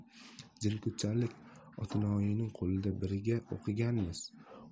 jinko'chalik otin oyining qo'lida birga o'qiganmiz